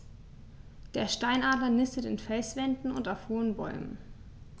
Der Steinadler nistet in Felswänden und auf hohen Bäumen.